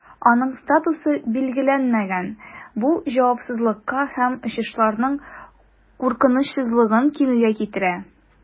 Аның статусы билгеләнмәгән, бу җавапсызлыкка һәм очышларның куркынычсызлыгын кимүгә китерә.